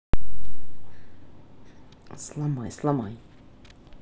сломай сломай